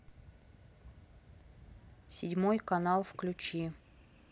седьмой канал включи